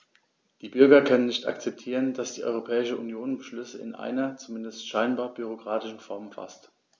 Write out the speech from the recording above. Die Bürger können nicht akzeptieren, dass die Europäische Union Beschlüsse in einer, zumindest scheinbar, bürokratischen Form faßt.